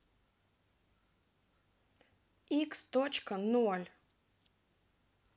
x точка ноль